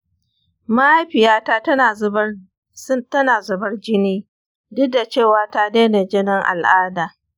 mahaifiyata tana zubar jini duk da cewa ta daina jinin al’ada.